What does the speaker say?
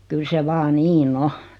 kyllä se vain niin on